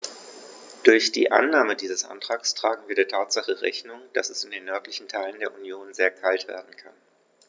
Durch die Annahme dieses Antrags tragen wir der Tatsache Rechnung, dass es in den nördlichen Teilen der Union sehr kalt werden kann.